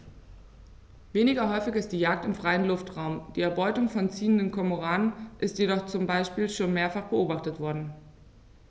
Weniger häufig ist die Jagd im freien Luftraum; die Erbeutung von ziehenden Kormoranen ist jedoch zum Beispiel schon mehrfach beobachtet worden.